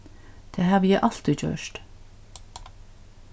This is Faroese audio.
tað havi eg altíð gjørt